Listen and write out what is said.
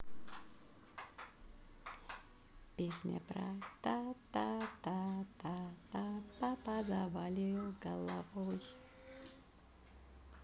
песня про татататата папа заболел головой